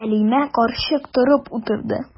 Сәлимә карчык торып утырды.